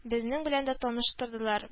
Безнең белән дә таныштырдылар